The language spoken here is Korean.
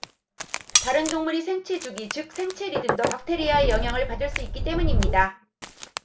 다른 동물의 생체 주기 즉 생체 리듬도 박테리아의 영향을 받을 수 있기 때문입니다